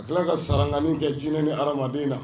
A tila ka saraani kɛ jinɛinɛ ni hadama na